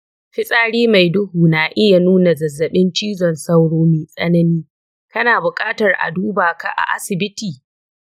fitsari mai duhu na iya nuna zazzaɓin cizon sauro mai tsanani, kana buƙatar a duba ka a asibiti